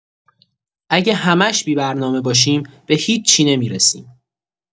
اگه همش بی‌برنامه باشیم، به هیچی نمی‌رسیم.